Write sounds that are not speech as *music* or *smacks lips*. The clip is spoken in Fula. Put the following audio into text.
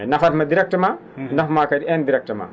nafatma directement *smacks lips* nafmaa kadi indirectement